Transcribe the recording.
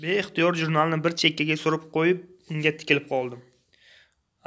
beixtiyor jurnalni bir chekkaga surib qo'yib unga tikilib qoldim